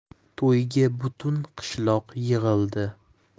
to'yga butun qishloq yig'ildi